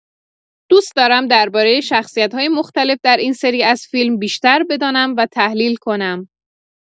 دوست دارم درباره شخصیت‌های مختلف در این سری از فیلم بیشتر بدانم و تحلیل کنم.